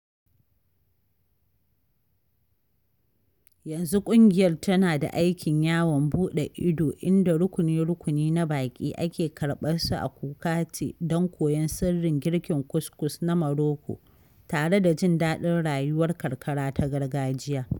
Yanzu ƙungiyar tana da aikin yawon buɗe ido inda rukuni-rukuni na baƙi ake karɓarsu a Khoukhate don koyon sirrin girkin couscous na Morocco, tare da jin daɗin rayuwar karkara ta gargajiya.